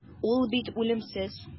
Ул бит үлемсез.